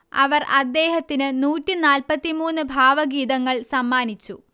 അവർ അദ്ദേഹത്തിന് നൂറ്റി നാല്പത്തി മൂന്ന് ഭാവഗീതങ്ങൾ സമ്മാനിച്ചു